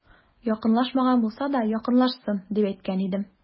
Якынлашмаган булса да, якынлашсын, дип әйткән идем.